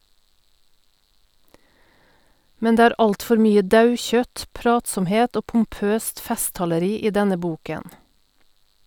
Men det er alt for mye daukjøtt, pratsomhet og pompøst festtaleri i denne boken.